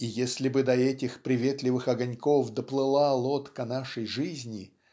И если бы до этих приветливых огоньков доплыла лодка нашей жизни